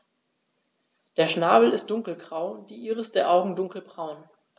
Der Schnabel ist dunkelgrau, die Iris der Augen dunkelbraun.